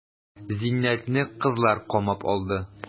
Зиннәтне кызлар камап алды.